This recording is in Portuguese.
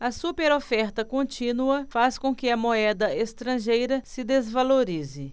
a superoferta contínua faz com que a moeda estrangeira se desvalorize